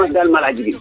maga dal wag mo ley